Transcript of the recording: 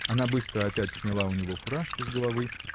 Она быстро опять сняла у него фуражку с головы